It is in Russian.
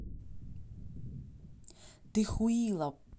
ты хуила